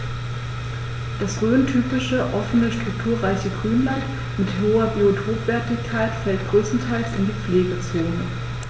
Das rhöntypische offene, strukturreiche Grünland mit hoher Biotopwertigkeit fällt größtenteils in die Pflegezone.